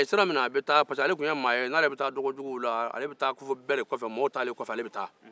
n'a tun be taa sugu la a tun bɛ taa bɛɛ kɔfɛ